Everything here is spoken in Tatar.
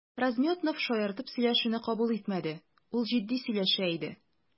Размётнов шаяртып сөйләшүне кабул итмәде, ул җитди сөйләшә иде.